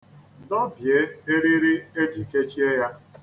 Dọbie eriri e ji kechie ya.